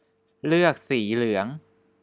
เลือกสีเหลือง